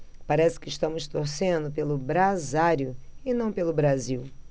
parece que estamos torcendo pelo brasário e não pelo brasil